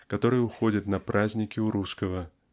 которое уходит на праздники у русского.